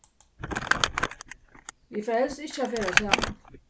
vit fara helst ikki at ferðast saman